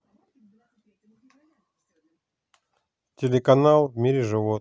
телеканал в мире животных